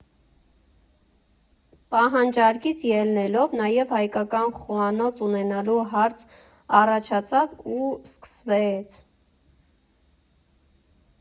Պահանջարկից ելնելով՝ նաև հայկական խոհանոց ունենալու հարց առաջացավ ու սկսվեեեե՜ց…